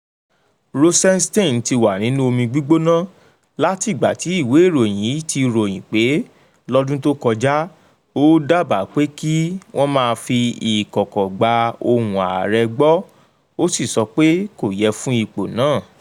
Rosenstein ti wà nínú omi gbígbóná látìgbà tí ìwé ìròyìn yìí ti ròyìn pé, lọ́dún tó kọjá, ó dábàá pé kí wọ́n máa fi ìkọ̀kọ̀ gba ohùn ààrẹ gbọ́, ó sì sọ pé kò yẹ fún ipò náà.